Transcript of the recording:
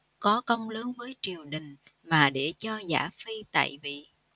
có công lớn với triều đình mà để cho giả phi tại vị